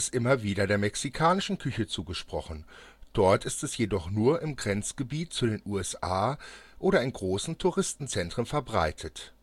immer wieder der mexikanischen Küche zugesprochen, dort ist es jedoch nur im Grenzgebiet zu den USA oder in großen Touristenzentren verbreitet